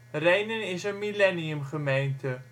Rhenen is een Millennium Gemeente